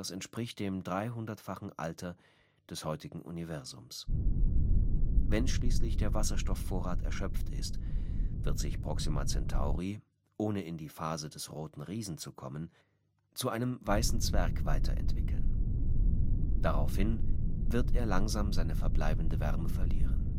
entspricht dem 300-fachen Alter des heutigen Universums. Wenn schließlich der Wasserstoffvorrat erschöpft ist, wird sich Proxima Centauri, ohne in die Phase des Roten Riesen zu kommen, zu einem Weißen Zwerg weiterentwickeln. Daraufhin wird er langsam seine verbliebene Wärme verlieren